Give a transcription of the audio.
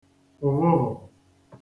ụ̀vụvụ̀